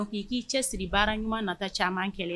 ' i k'i cɛ siri baara ɲuman nata caman kɛlɛ